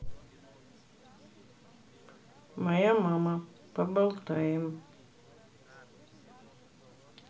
моя мама поболтаем